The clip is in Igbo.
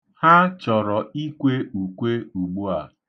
Ha chọrọ ikwe ukwe ugbua.